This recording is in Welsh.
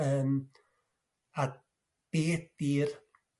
Yrm a be' ydi'r